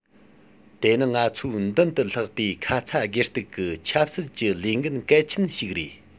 དེ ནི ང ཚོའི མདུན དུ ལྷགས པའི ཁ ཚ དགོས གཏུག གི ཆབ སྲིད ཀྱི ལས འགན གལ ཆེན ཞིག རེད